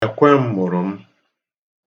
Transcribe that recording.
Ekwem mụrụ m.